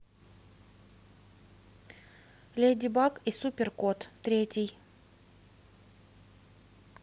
леди баг и супер кот третий